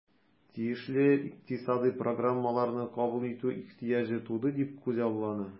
Тиешле икътисадый программаларны кабул итү ихтыяҗы туды дип күзаллана.